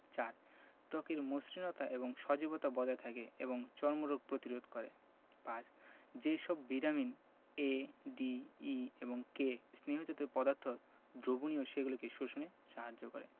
৪. ত্বকের মসৃণতা এবং সজীবতা বজায় রাখে এবং চর্মরোগ প্রতিরোধ করে ৫. যে সব ভিটামিন A D E এবং K স্নেহ জাতীয় পদার্থ দ্রবণীয় সেগুলো শোষণে সাহায্য করে